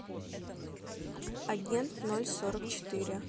агент ноль сорок четыре